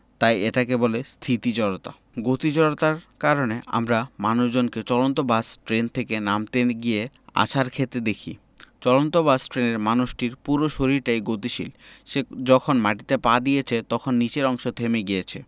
তাই এটাকে বলে স্থিতি জড়তা গতি জড়তার কারণে আমরা মানুষজনকে চলন্ত বাস ট্রেন থেকে নামতে গিয়ে আছাড় খেতে দেখি চলন্ত বাস ট্রেনের মানুষটির পুরো শরীরটাই গতিশীল সে যখন মাটিতে পা দিয়েছে তখন নিচের অংশ থেমে গিয়েছে